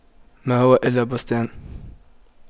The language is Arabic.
ما هو إلا بستان